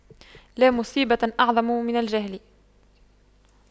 لا مصيبة أعظم من الجهل